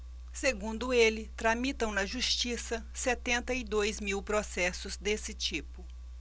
segundo ele tramitam na justiça setenta e dois mil processos desse tipo